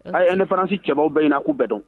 A' ye indépendance cɛbaw bɛɛ ɲini a k'u bɛɛ dɔn